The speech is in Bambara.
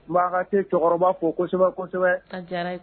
Makan tɛ cɛkɔrɔba fo kosɛbɛ kosɛbɛ an kɛnɛ